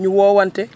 ñu woowante